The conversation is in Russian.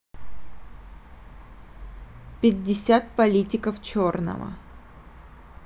пятьдесят политиков черного